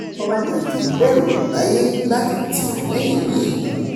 Famalay kì í bẹ̀rù láyé láti tì ọ́ lẹ́yìn ní ìgbà gbogbo...